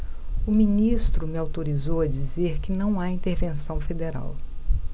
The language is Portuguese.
o ministro me autorizou a dizer que não há intervenção federal